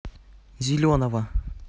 зеленого